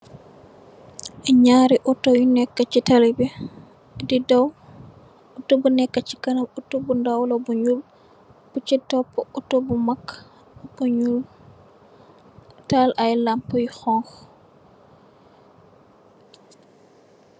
Naari auto yu nekka ci tali bi, di daw. Auto bu nekk chi kanam auto bu ndaw la bu ñuul, bu chi topu auto bu mag bu ñuul taal ay lampa yu honku.